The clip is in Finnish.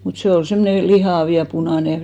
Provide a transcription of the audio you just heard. mutta se oli semmoinen lihava ja punainen